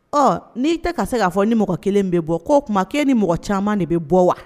Ɔ n'i tɛ ka se k'a fɔ ni mɔgɔ kelen bɛ bɔ k' o tuma k'e ni mɔgɔ caman de bɛ bɔ wa